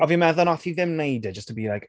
A fi'n meddwl wnaeth hi ddim wneud e just to be like...